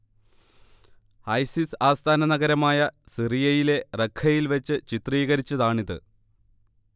ISIS ആസ്ഥാന നഗരമായ സിറിയയിലെ റഖ്ഖയിൽ വച്ച് ചിത്രീകരിച്ചതാണിത്